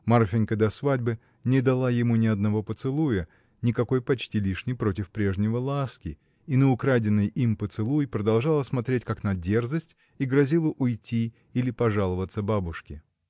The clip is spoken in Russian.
Марфинька до свадьбы не дала ему ни одного поцелуя, никакой почти лишней против прежнего ласки — и на украденный им поцелуй продолжала смотреть как на дерзость и грозила уйти или пожаловаться бабушке.